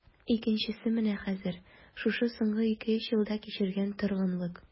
Икенчесе менә хәзер, шушы соңгы ике-өч елда кичергән торгынлык...